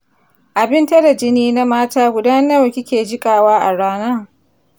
abun tare jini na mata guda nawa kike jiƙawa a rana?